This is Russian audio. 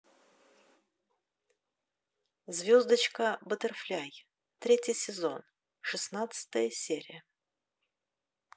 звездочка баттерфляй третий сезон шестнадцатая серия